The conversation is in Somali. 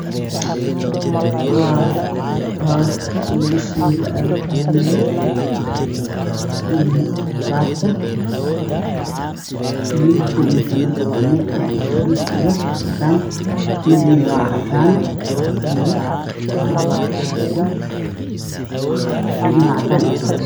Waa makiinadaa wax lagu siido cuntooyinka iyo khudaarta fadhigeedu waa cadaani cagaar ayaduna waa dhalo waana caddaan